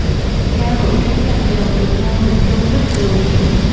cao hữu trí làm giàu từ mô hình trông quýt đường